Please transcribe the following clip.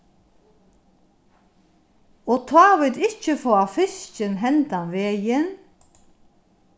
og tá vit ikki fáa fiskin hendan vegin